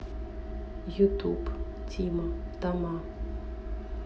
ютуб тима тома